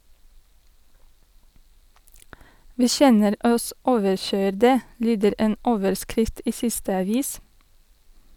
"Vi kjenner oss overkøyrde" , lyder en overskrift i siste avis.